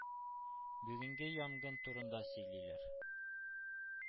Бүгенге янгын турында сөйлиләр,